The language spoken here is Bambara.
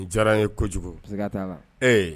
N diyara n ye kojugu